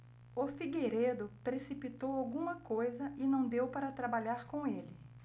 o figueiredo precipitou alguma coisa e não deu para trabalhar com ele